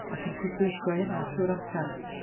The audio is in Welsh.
A ti'n pwysleisio hynna trwy'r amser.